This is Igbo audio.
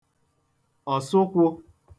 òsụkwụ̄